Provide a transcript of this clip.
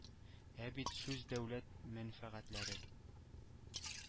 Ә бит сүз дәүләт мәнфәгатьләре